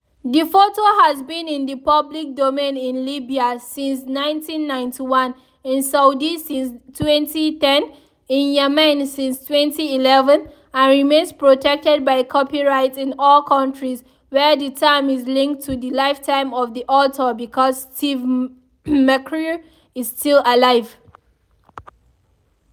The photo has been in the pubic domain in Libya since 1991, in Saudi since 2010, in Yemen since 2011, and remains protected by copyright in all countries where the term is linked to the lifetime of the author because Steve McCurry is still alive.